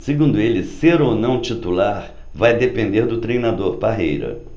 segundo ele ser ou não titular vai depender do treinador parreira